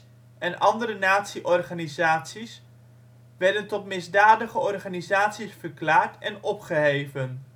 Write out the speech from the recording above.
andere nazi-organisaties werden tot misdadige organisaties verklaard en opgeheven